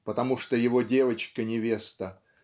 потому что его девочка-невеста